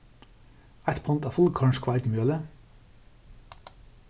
eitt pund av fullkornshveitimjøli